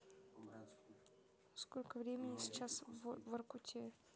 сколько времени сейчас в воркуте